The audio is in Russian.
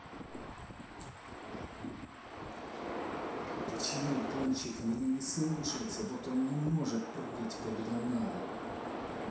почему пончик меня не слушается вот он не может прыгать когда надо